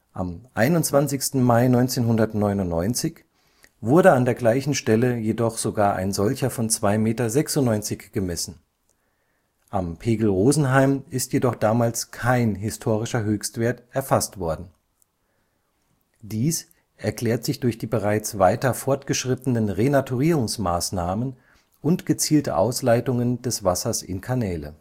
Am 21. Mai 1999 wurde an der gleichen Stelle jedoch sogar ein solcher von 2,96 m gemessen, am Pegel Rosenheim ist jedoch damals kein historischer Höchstwert erfasst worden. Dies erklärt sich durch die bereits weiter fortgeschrittenen Renaturierungsmaßnahmen und gezielte Ausleitungen des Wassers in Kanäle